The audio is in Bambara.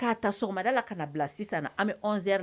K'a ta sɔgɔmada la ka na bila sisan an bɛ an la